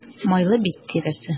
Майлы бит тиресе.